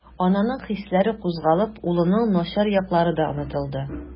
Ананың хисләре кузгалып, улының начар яклары да онытылды.